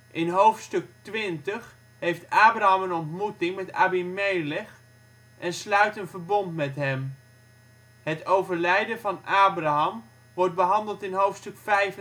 In hoofdstuk 20 heeft Abraham een ontmoeting met Abimelech en sluit een verbond met hem. Het overlijden van Abraham wordt behandeld in hoofdstuk 25.